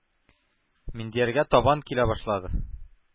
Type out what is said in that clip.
Миндиярга табан килә башлады.